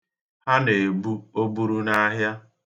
Ha na-ebu oburu n'ahịa